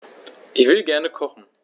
Ich will gerne kochen.